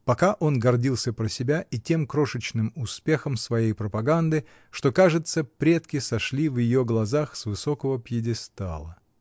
Пока он гордился про себя и тем крошечным успехом своей пропаганды, что, кажется, предки сошли в ее глазах с высокого пьедестала.